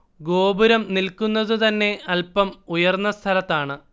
ഗോപുരം നിൽക്കുന്നത് അല്പം ഉയർന്ന സ്ഥലത്താണ്